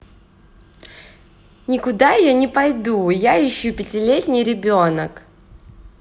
никуда я не пойду я ищу пятилетний ребенок